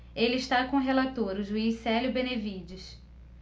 ele está com o relator o juiz célio benevides